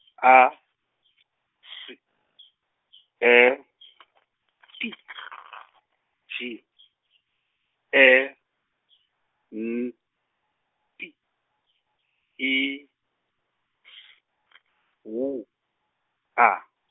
A, S, E , T, J, E, N, T, I, S , W, A.